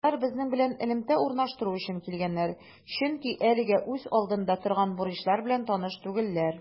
Алар безнең белән элемтә урнаштыру өчен килгәннәр, чөнки әлегә үз алдында торган бурычлар белән таныш түгелләр.